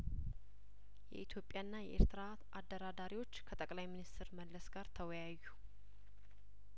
የኢትዮጵያ ና የኤርትራ አደራዳሪዎች ከጠቅላይ ሚኒስትር መለስ ጋር ተወያዩ